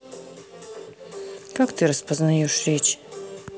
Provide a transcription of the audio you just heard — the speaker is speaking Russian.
как ты распознаешь речь